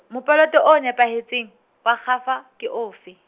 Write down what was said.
mopeleto o nepahetseng, wa kgafa, ke ofe?